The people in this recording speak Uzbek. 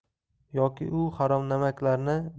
yoki u haromnamaklarni